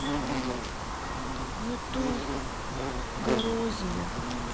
ютуб горозия